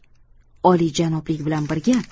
oliyjanoblik bilan birga